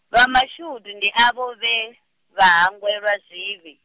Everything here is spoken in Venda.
vha mashudu ndi avho vhe, vha hangwelwa zwivhi.